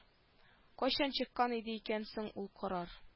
Кайчан чыккан иде икән соң ул карар